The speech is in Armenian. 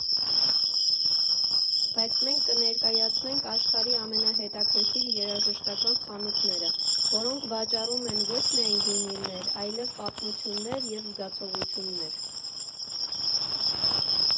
Բայց մենք կներկայացնենք աշխարհի ամենահետաքրքիր երաժշտական խանութները, որոնք վաճառում են ոչ միայն վինիլներ, այլև պատմություններ և զգացողություններ։